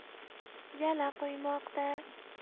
jala quymoqda